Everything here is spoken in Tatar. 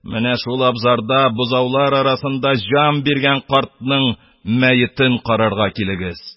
Менә шул азбарда бозаулар арасында җан биргән картның мәетен карарга килегез.